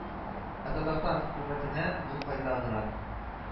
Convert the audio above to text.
Ә Татарстан хөкүмәтенә ул файда гына